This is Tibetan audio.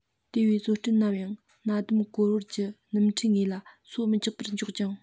དེ བས བཟོ སྐྲུན ནམ ཡང ན ཟླུམ གོར བར གྱི སྣོལ ཕྲད ངོས ལ སོ མི རྒྱག པར འཇོག ཅིང